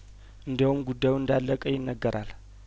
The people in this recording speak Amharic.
እንዲያውም ጉዳዩ እንዳለቀ ይነገራል